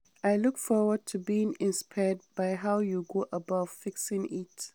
I look forward to being inspired by how you go about fixing it.